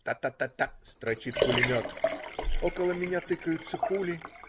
" Та-та-та-та - строчит пулемет, около меня тыкаются пули.